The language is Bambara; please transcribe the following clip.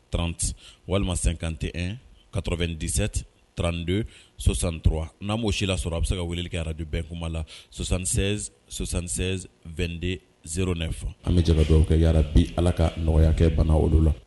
Tranti walima sankante kato2 dise trante sɔsant n'a m'o si la sɔrɔ a bɛ se ka weele kɛ ara don bɛn kuma lasansɛ2de z nefan an bɛ jara dɔw kɛ yara bi ala ka nɔgɔya kɛ bana olu la